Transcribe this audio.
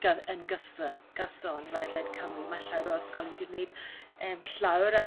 gy- yn gyson gyson ledled Cymru mae llawer o ysgolion g'neud llawer ar